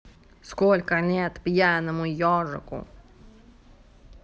сколько лет пьяному ежику